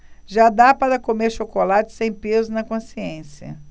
já dá para comer chocolate sem peso na consciência